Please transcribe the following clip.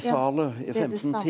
ja .